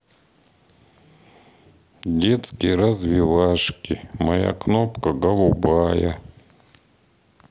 детские развивашки моя кнопка голубая